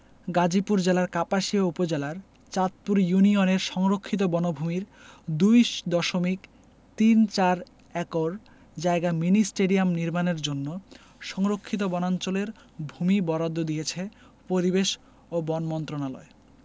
গাজীপুর জেলার কাপাসিয়া উপজেলার চাঁদপুর ইউনিয়নের সংরক্ষিত বনভূমির ২ দশমিক তিন চার একর জায়গা মিনি স্টেডিয়াম নির্মাণের জন্য সংরক্ষিত বনাঞ্চলের ভূমি বরাদ্দ দিয়েছে পরিবেশ ও বন মন্ত্রণালয়